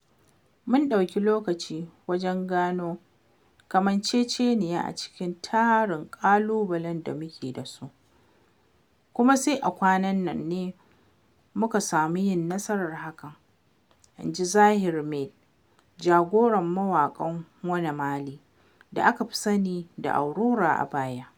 “Mun ɗauki lokaci wajen gano kamanceceniya a cikin tarin ƙabilun da muke da su, kuma sai a kwanan nan ne muka samu yin nasarar hakan,” in ji Zouheir Mejd, jagoran mawaƙan Wana Mali (da aka fi sani da Aurora a baya).